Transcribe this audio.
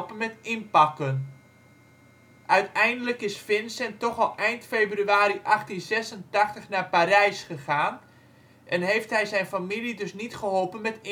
met inpakken. Uiteindelijk is Vincent toch al eind februari 1886 naar Parijs gegaan en heeft hij zijn familie dus niet geholpen met inpakken